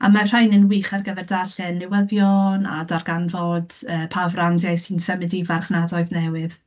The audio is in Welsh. A mae'r rhain yn wych ar gyfer darllen newyddion a darganfod, yy, pa frandiau sy'n symud i farchnadoedd newydd.